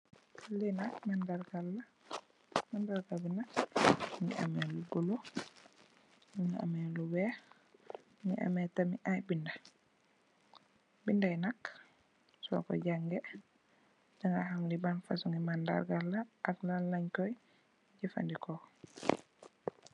Li nak mandarga la, mandarga bi nak mungi ameh lu bulo, mungi ameh lu weeh, mungi ameh tamit ay binda. Binda yi nak soko jàngay daga ham li ban fasung ngi mandarga la ak Lan leen koy jafadeko.